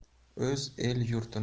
o'z el yurtini